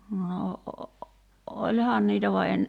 no olihan niitä vaan en